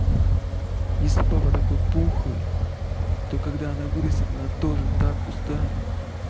если папа такой пухлый то когда она вырастет она тоже так устанет